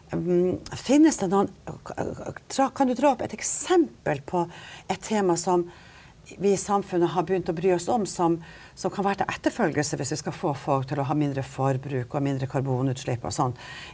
finnes det noen kan du dra opp et eksempel på et tema som vi i samfunnet har begynt å bry oss om som som kan være til etterfølgelse hvis vi skal få folk til å ha mindre forbruk og mindre karbonutslipp og sånn?